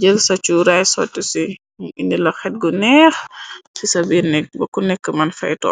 jël sa curaay sotu ci mu indi la xet gu neex ci sa biir nekk ba ko nekk mën fayto.